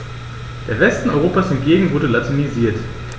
Der Westen Europas hingegen wurde latinisiert.